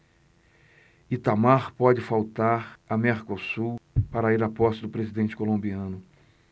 itamar pode faltar a mercosul para ir à posse do presidente colombiano